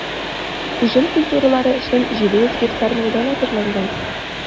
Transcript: Уҗым культуралары өчен 700 га мәйдан әзерләнгән.